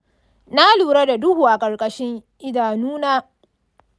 na lura da duhu a ƙarƙashin idanuna.